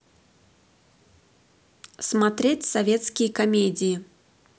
смотреть советские комедии